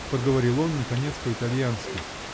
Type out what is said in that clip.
-- проговорил он наконец по -- итальянски